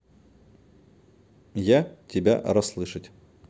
я тебя расслышать